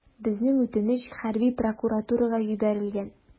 Безнең үтенеч хәрби прокуратурага җибәрелгән.